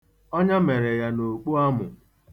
Ọnya mere ya n'okpuamụ.